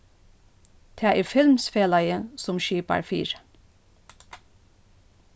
tað er filmsfelagið sum skipar fyri